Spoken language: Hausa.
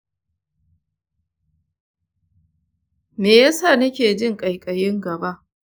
me yasa nake jin ƙaiƙayin gaba?